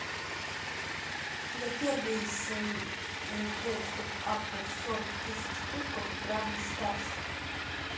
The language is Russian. я первый из снг кто апнул сорок тысяч кубков в бравл старсе